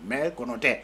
Mais kɔnɔ tɛ